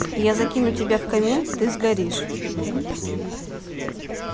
я закину тебя в камин ты сгоришь